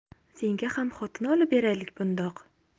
senga ham xotin olib beraylik bundoq